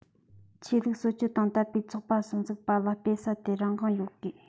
ཆོས ལུགས གསོལ མཆོད དང དད པའི ཚོགས པ སོགས འཛུགས པ ལ སྤེལ ས དེར རང དབང ཡོད དགོས